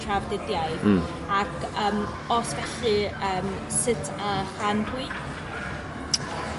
trafdidiaeth? Hmm. Ac yym os felly yym sut a chan pwy?